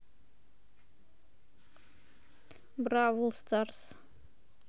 бравл старз